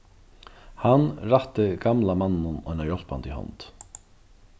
hann rætti gamla manninum eina hjálpandi hond